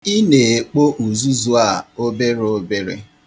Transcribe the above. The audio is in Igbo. Ị na-ekpo uzuzu a obere obere.